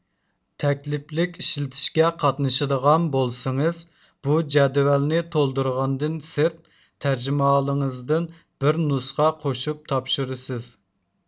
تەكلىپلىك ئىشلىتىشكە قاتنىشىدىغان بولسىڭىز بۇ جەدۋەلنى تولدۇرغاندىن سىرت تەرجىمىھالىڭىزدىن بىر نۇسخا قوشۇپ تاپشۇرىسىز